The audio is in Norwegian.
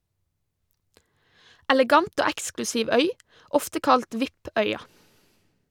Elegant og eksklusiv øy, ofte kalt "VIP- øya".